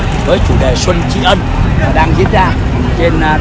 với chủ đề xuân tri ân đang diễn ra trên